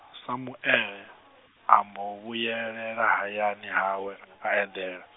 Samuele , ambo vhuyelela hayani hawe a eḓela.